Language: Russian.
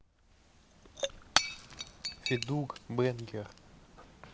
feduk бэнгер